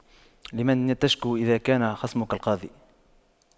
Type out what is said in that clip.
لمن تشكو إذا كان خصمك القاضي